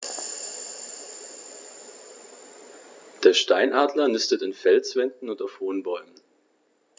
Der Steinadler nistet in Felswänden und auf hohen Bäumen.